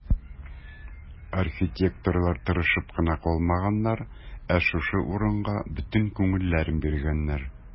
Архитекторлар тырышып кына калмаганнар, ә шушы урынга бөтен күңелләрен биргәннәр.